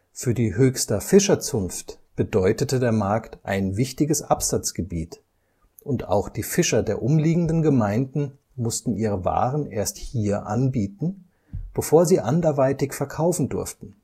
Für die Höchster Fischerzunft bedeutete der Markt ein wichtiges Absatzgebiet, und auch die Fischer der umliegenden Gemeinden mussten ihre Waren erst hier anbieten, bevor sie sie anderweitig verkaufen durften